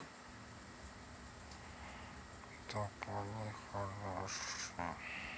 конечно злой плохой тополей хороший